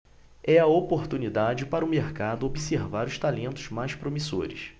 é a oportunidade para o mercado observar os talentos mais promissores